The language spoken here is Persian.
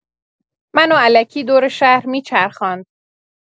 منو الکی دور شهر می‌چرخاند